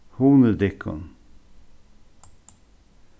hugnið tykkum